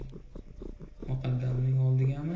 muqaddamning oldigami